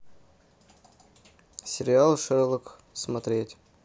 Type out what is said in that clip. сериал шерлок смотреть